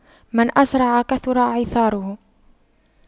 من أسرع كثر عثاره